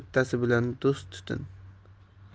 bittasi bilan do'st tutin